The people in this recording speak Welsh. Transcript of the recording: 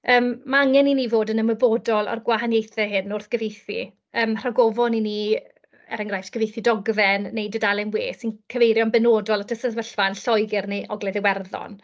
Yym ma' angen i ni fod yn ymwybodol o'r gwahaniaethau hyn wrth gyfeithu, yym rhag ofon i ni, er enghraifft, gyfeithu dogfen neu dudalen we sy'n cyfeirio'n benodol at y sefyllfa'n Lloegr neu Ogledd Iwerddon.